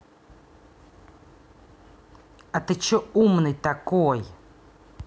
а ты че умный такой